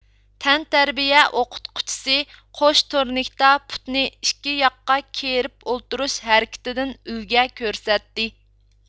تەنتەربىيە ئوقۇتقۇچىسى قوش تورنىكتا پۇتنى ئىككى ياققا كېرىپ ئولتۇرۇش ھەرىكىتىدىن ئۈلگە كۆرسەتتى